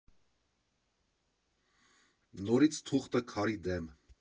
Նորից թուղթը՝ քարի դեմ…